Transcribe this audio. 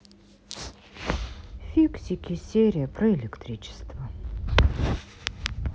фиксики серия про электричество